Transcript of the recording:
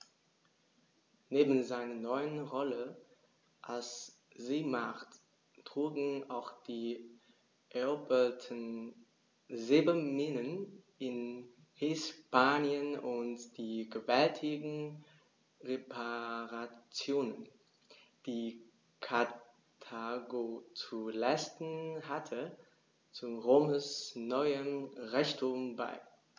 Neben seiner neuen Rolle als Seemacht trugen auch die eroberten Silberminen in Hispanien und die gewaltigen Reparationen, die Karthago zu leisten hatte, zu Roms neuem Reichtum bei.